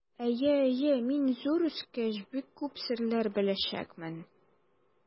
Әйе, әйе, мин, зур үскәч, бик күп серләр беләчәкмен.